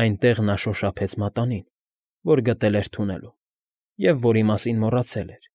Այնտեղ նա շոշափեց մատանին, որ գտել էր թունելում և որի մասին մոռացել էր։